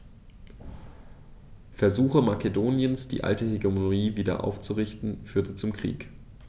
Versuche Makedoniens, die alte Hegemonie wieder aufzurichten, führten zum Krieg.